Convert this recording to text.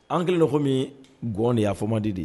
An kelen nɔgɔ min gɔn de y'a fɔmadi de ye